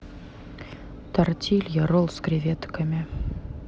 тортилья ролл с креветками